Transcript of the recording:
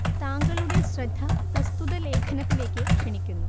താങ്കളുടെ ശ്രദ്ധ പ്രസ്തുത ലേഖനത്തിലേക്ക് ക്ഷണിക്കുന്നു